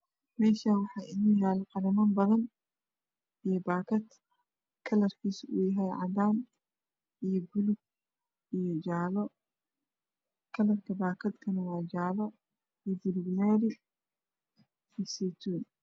Meshan wax ino yalo qalimo badan oo bakad oo kalrkisa yahay cadan io buluug io jale kalarka bakad waa jale io baluug maari io saytuun